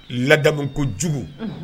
Ladamu kojugu unhun